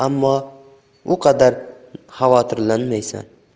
ammo u qadar xavotirlanmaysan